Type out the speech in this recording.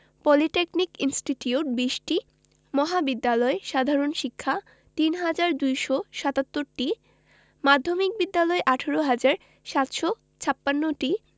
polytechnic institute ২০টি মহাবিদ্যালয় সাধারণ শিক্ষা ৩হাজার ২৭৭টি মাধ্যমিক বিদ্যালয় ১৮হাজার ৭৫৬টি